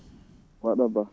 mbaɗɗa Ba